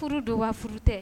Furu don waf furu tɛ